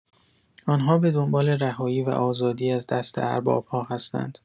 آنها به دنبال رهایی و آزادی از دست ارباب‌ها هستند.